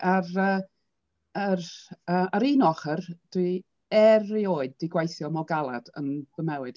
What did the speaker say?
Ar yy yr yy ar un ochr, dwi erioed 'di gweithio mor galed yn fy mywyd.